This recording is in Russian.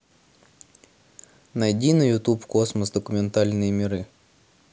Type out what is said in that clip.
найди на ютуб космос документальные миры